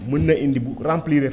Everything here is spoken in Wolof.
mën na indi bu remplir ree